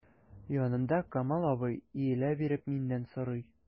Янымда— Камал абый, иелә биреп миннән сорый.